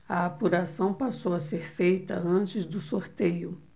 a apuração passou a ser feita antes do sorteio